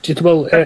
Dwi dwi me'wl yy...